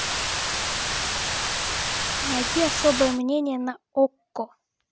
найди особое мнение на окко